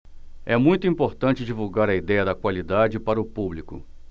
é muito importante divulgar a idéia da qualidade para o público